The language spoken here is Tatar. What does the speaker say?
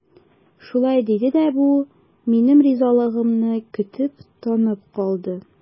Шулай диде дә бу, минем ризалыгымны көтеп, тынып калды.